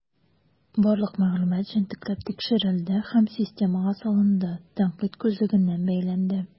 Барлык мәгълүмат җентекләп тикшерелде һәм системага салынды, тәнкыйть күзлегеннән бәяләнде.